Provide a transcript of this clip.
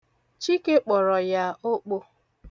Chike kpọrọ ya okpo.